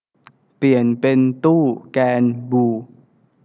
เปลี่ยนเป็นตู้แกรนบลู